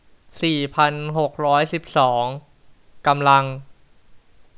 สี่พันหกร้อยสิบสองกำลัง